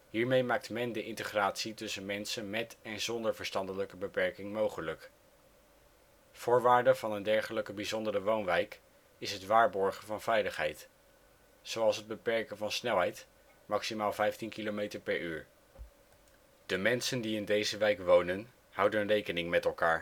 Hiermee maakt men de integratie tussen mensen met en zonder verstandelijke beperking mogelijk. Voorwaarde van een dergelijke bijzondere woonwijk is het waarborgen van veiligheid. Zoals het beperken van snelheid (maximaal 15 km per uur). De mensen die in deze wijk wonen, houden rekening met elkaar. Het